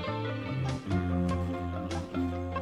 San wa yo